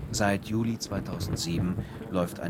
Seit Juli 2007 läuft